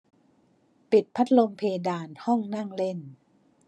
ปิดพัดลมเพดานห้องนั่งเล่น